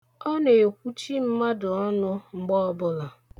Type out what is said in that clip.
Ọ na-ekwuchi mmadụ ọnụ mgbe ọbụla.